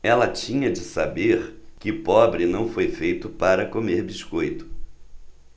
ela tinha de saber que pobre não foi feito para comer biscoito